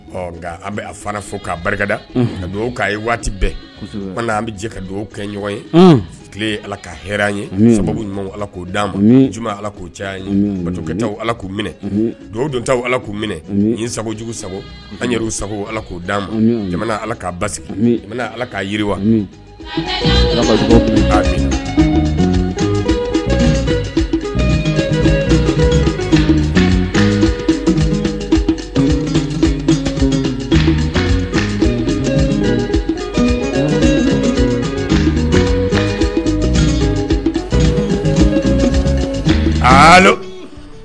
Ɔ nka an bɛ a fara fɔ k'a barikada ka dugawu'a ye waati bɛɛ an bɛ jɛ ka dugawu kɛ ɲɔgɔn ye tile ala ka hɛ ye sagouma ala k'o'a ma juma ala k'o caya ye ala k'u minɛ donta ala k'u minɛ n sagojugu sago an yɛrɛ sago ala k'o d'an ma ala k'a ba ala k'a yiriwa